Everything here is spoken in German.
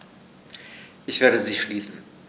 Ich werde sie schließen.